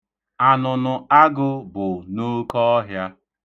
Anụnụ agụ bụ n'okọọhịa.